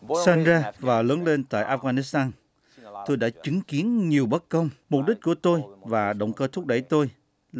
sinh ra và lớn lên tại a goan nít san tôi đã chứng kiến nhiều bất công mục đính của tôi và động cơ thúc đẩy tôi là